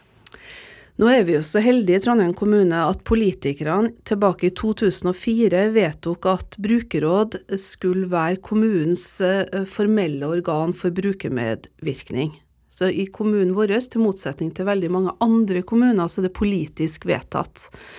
nå er vi jo så heldige i Trondheim kommune at politikerne tilbake i 2004 vedtok at brukerråd skulle være kommunens formelle organ for brukermedvirkning så, i kommunen vår til motsetning til veldig mange andre kommuner så er det politisk vedtatt.